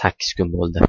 sakkiz kun bo'ldi